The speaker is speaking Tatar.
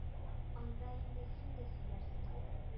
Анда инде син дә сөйләрсең